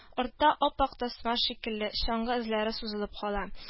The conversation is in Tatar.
Артта, ап-ак тасма шикелле, чаңгы эзләре сузылып кала